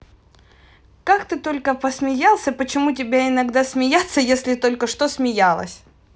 так ты только посмеялся почему тебя иногда смеяться если только что смеялась